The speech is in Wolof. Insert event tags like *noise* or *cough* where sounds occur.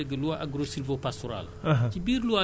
*hesitation* partenaires yi ak Etat bi pour ñu créer ko